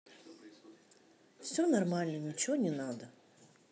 все нормально ничего не надо